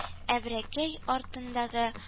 Әбрәкәй артындагы